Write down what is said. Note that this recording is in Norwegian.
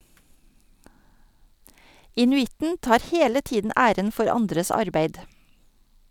Inuitten tar hele tiden æren for andres arbeid.